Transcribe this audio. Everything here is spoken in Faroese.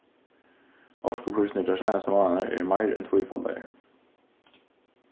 orkuprísirnir teir seinastu mánaðirnar eru meir enn tvífaldaðir